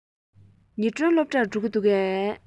ཉི སྒྲོན སློབ གྲྭར འགྲོ གི འདུག གས